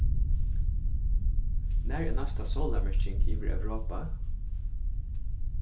nær er næsta sólarmyrking yvir europa